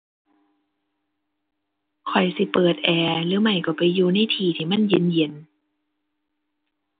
ข้อยสิเปิดแอร์ หรือไม่ก็ไปอยู่ในที่ที่มันเย็นเย็น